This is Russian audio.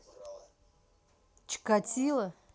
чикотило